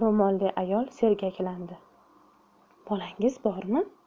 ro'molli ayol sergaklandi bolangiz bormi